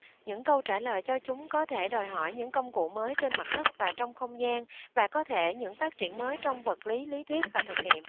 những câu trả lời cho chúng có thể đòi hỏi những công cụ mới trên mặt đất và trong không gian và có thể những phát triển mới trong vật lý lý thuyết và thực nghiệm